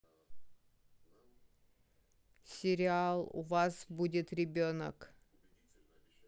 сериал у вас будет ребенок